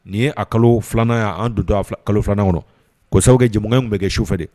Nin ye a kalo filanan y' don don kalo filanan kɔnɔ kɔsa kɛ jɛw bɛ kɛ su fɛ dɛ